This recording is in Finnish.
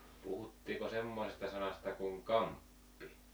puhuttiinko semmoisesta sanasta kuin kamppi